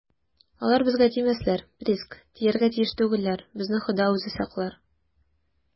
- алар безгә тимәсләр, приск, тияргә тиеш түгелләр, безне хода үзе саклар.